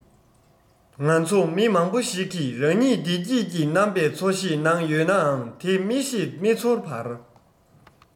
ང ཚོ མི མང པོ ཞིག གིས རང ཉིད བདེ སྐྱིད ཀྱི རྣམ པས འཚོ གཞེས གནང ཡོད ནའང དེ མི ཤེས མི ཚོར བར